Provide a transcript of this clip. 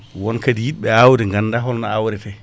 won kaadi yitɓe awde ganda holno awrete